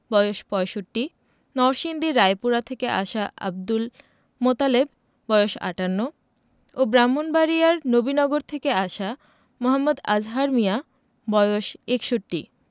বয়স ৬৫ নরসিংদী রায়পুরা থেকে আসা আবদুল মোতালেব বয়স ৫৮ ও ব্রাহ্মণবাড়িয়ার নবীনগর থেকে আসা মো. আজহার মিয়া বয়স ৬১